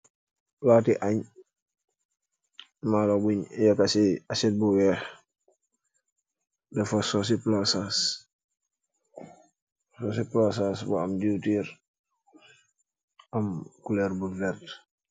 Palaat añ, maalo buñ yaka si aset bu weex def fa soosi plasaas bu am diwtir, am kuloor bu werta.